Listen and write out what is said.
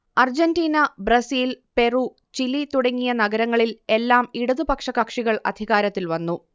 Argentina, Brazil, Peru, Chile തുടങ്ങിയ നഗരങ്ങളിൽ എല്ലാം ഇടതുപക്ഷ കക്ഷികൾ അധികാരത്തിൽ വന്നു